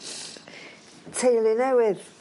Teulu newydd.